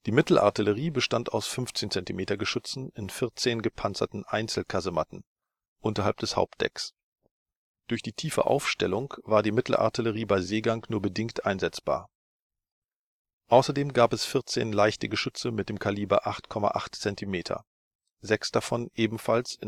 Mittelartillerie bestand aus 15-cm-Geschützen in 14 gepanzerten Einzelkasematten unterhalb des Hauptdecks. Durch die tiefe Aufstellung war die Mittelartillerie bei Seegang nur bedingt einsetzbar. Außerdem gab es 14 leichte Geschütze mit dem Kaliber 8,8 cm, sechs davon ebenfalls